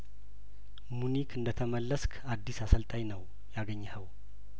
ሙኒክ እንደተመለስክ አዲስ አሰልጣኝ ነው ያገኘኸው